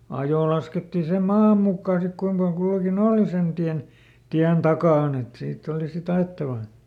ajo laskettiin sen maan mukaan sitten kuinka paljon kullakin oli sen tien tien takana että siitä oli sitten ajettava